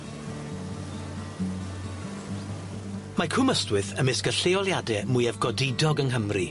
Mae Cwm Ystwyth ymysg y lleoliade mwyaf godidog yng Nghymru.